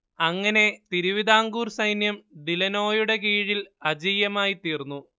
അങ്ങനെ തിരുവിതാംകൂർ സൈന്യം ഡിലനോയുടെ കീഴിൽ അജയ്യമായിത്തീർന്നു